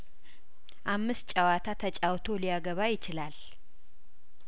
አምስት ጨዋታ ተጫውቶ ሊያገባ ይችላል